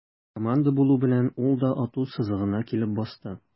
Команда булу белән, ул да ату сызыгына килеп басты.